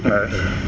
waaw dëgg la